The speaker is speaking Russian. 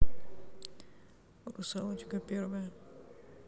русалочка первая